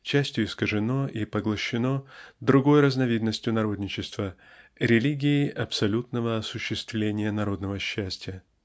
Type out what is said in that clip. частью искажено и поглощено другой разновидностью народничества -- религией абсолютного осуществления народного счастья.